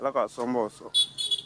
Ala ka sɔn mɔn sɔrɔ